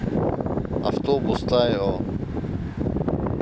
автобус тайо